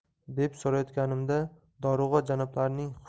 deb so'rayotganimda dorug'a janoblarining